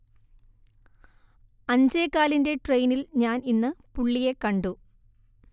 അഞ്ചേകാലിന്റെ ട്രെയിനിൽ ഞാൻ ഇന്ന് പുള്ളിയെ കണ്ടു